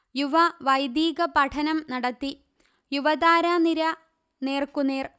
യുവ വൈദീക പഠനം നടത്തി യുവതാര നിര നേർക്കുനേർ